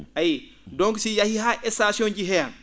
a yiyii donc si yahii haa station ji hee han